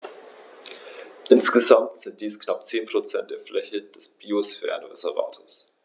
Insgesamt sind dies knapp 10 % der Fläche des Biosphärenreservates.